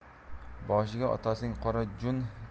boshiga otasining qora jun